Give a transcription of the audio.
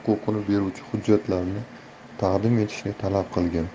huquqini beruvchi hujjatlarni taqdim etishni talab qilgan